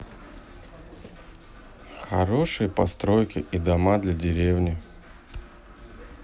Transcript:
хорошие постройки и дома для деревни